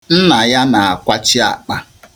Nna ya na-akwachi akpa.